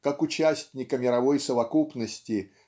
как участника мировой совокупности